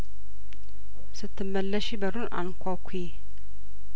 ስትመለሺ በሩን አንኳኲ